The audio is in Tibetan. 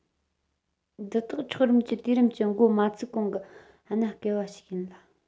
འདི དག འཁྱགས རོམ གྱི དུས རིམ གྱི མགོ མ ཚུགས གོང གི གནའ སྐལ བ ཞིག ལ